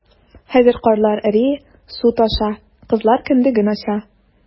Хәзер карлар эри, су таша - кызлар кендеген ача...